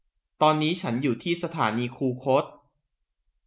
ตอนนี้ฉันอยู่ที่สถานีคูคต